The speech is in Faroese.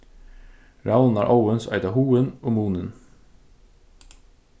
ravnar óðins eita hugin og munin